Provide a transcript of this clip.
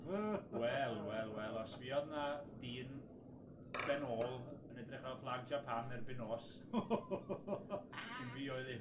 Wel, wel, wel, os fuodd 'na ddin ben ôl yn edrych fel fflag Japan erbyn nos, un fi oedd hi.